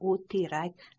u tiyrak